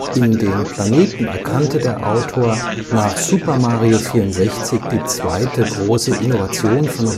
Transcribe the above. In den Planeten erkannte der Autor nach Super Mario 64 die zweite große Innovation von